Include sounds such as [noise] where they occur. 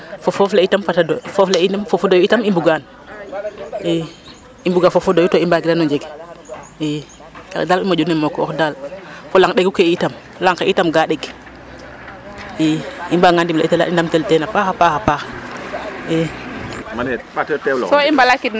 Fo foof le itam fat a doy, foof le in nam foof fo doyu itam i mbugan ii, i mbuga foof fo doyu i mbagiran o njeg i kaaga daal i moƴu neme yi ak daal fo lang ɗegu ke itam lang ke itam ga ɗeg ii, i mbaaganga ndimletel teen i ndamtel teen ee paax a paax a paax ii. [crosstalk]